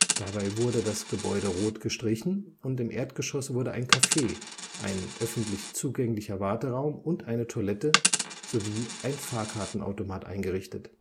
Dabei wurde das Gebäude rot gestrichen und im Erdgeschoss wurde ein Café, ein öffentlich zugänglich Warteraum und eine Toilette, sowie ein Fahrkartenautomat eingerichtet